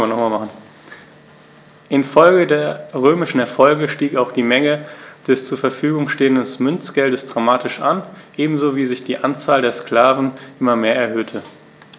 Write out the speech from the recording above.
Infolge der römischen Erfolge stieg auch die Menge des zur Verfügung stehenden Münzgeldes dramatisch an, ebenso wie sich die Anzahl der Sklaven immer mehr erhöhte.